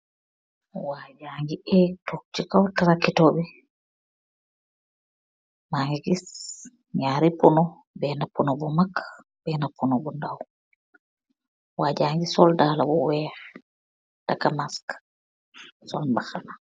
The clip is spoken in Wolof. Waji ngi yeeg toog ci kaw Traktor bi. Mangi gis naari pono, bena pono bu magg ak bena pono bu ndaw. Waji mungi sol daala bu weex, taaka mask, sol mbahana